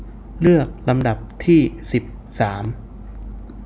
เลือกลำดับที่สิบสาม